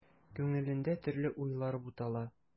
Күңелендә төрле уйлар бутала.